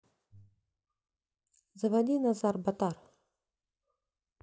заводи назар батар